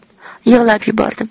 yig'lab yubordim